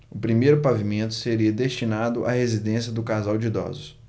o primeiro pavimento seria destinado à residência do casal de idosos